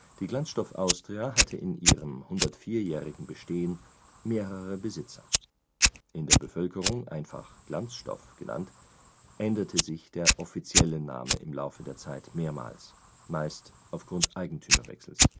Die Glanzstoff Austria hatte in ihrem 104-jährigen Bestehen mehrere Besitzer. In der Bevölkerung einfach Glanzstoff genannt, änderte sich der offizielle Name im Laufe der Zeit mehrmals, meist aufgrund Eigentümerwechsels